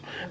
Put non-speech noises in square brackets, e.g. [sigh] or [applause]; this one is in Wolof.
[hesitation]